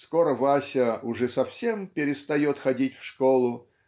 Скоро Вася уж и совсем перестает ходить в школу